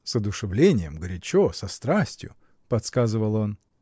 — С одушевлением, горячо, со страстью. — подсказывал он.